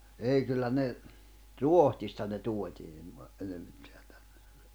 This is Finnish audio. ei kyllä ne Ruotsista ne tuotiin - enimmäkseen tänne